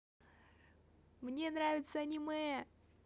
мне нравится аниме